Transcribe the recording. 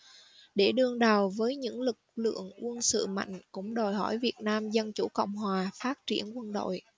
để đương đầu với những lực lượng quân sự mạnh cũng đòi hỏi việt nam dân chủ cộng hòa phát triển quân đội